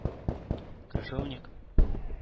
Крыжовник